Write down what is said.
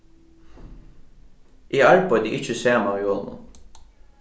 eg arbeiddi ikki saman við honum